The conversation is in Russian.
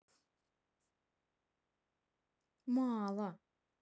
мало